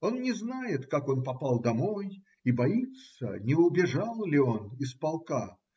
Он не знает, как он попал домой, и боится, не убежал ли он из полка.